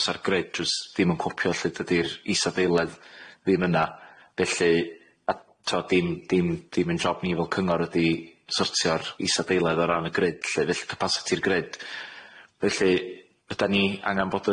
bysa'r grid drws ddim yn copio lly dydi'r isa ddeiledd ddim yna felly a t'o' dim dim dim ein job ni fel cyngor ydi sortio'r isa ddeiledd o ran y grid lly felly capasiti'r grid felly ydan ni angan bod